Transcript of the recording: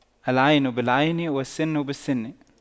العين بالعين والسن بالسن